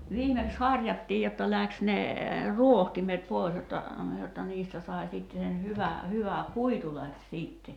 viimeksi harjattiin jotta lähti ne rohtimet pois jotta jotta niistä sai sitten sen hyvän hyvä kuitu lähti sitten